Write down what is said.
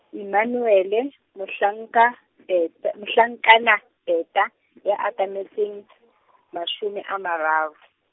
Emmanuele, mohlanka Berth-, mohlankana Bertha, ya atametseng, mashome a mararo.